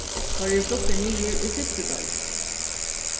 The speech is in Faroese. teir eru fluttir niður í fyrstu deild